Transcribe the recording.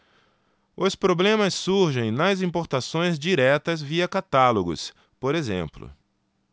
os problemas surgem nas importações diretas via catálogos por exemplo